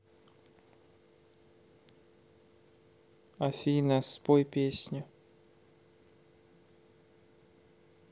афина спой песню